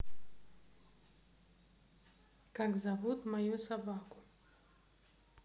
как зовут мою собаку